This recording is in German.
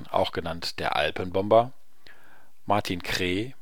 auch genannt „ Der Alpenbomber “. Martin Kree